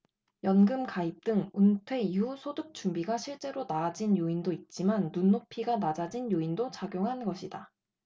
연금 가입 등 은퇴 이후 소득 준비가 실제로 나아진 요인도 있지만 눈높이가 낮아진 요인도 작용한 것이다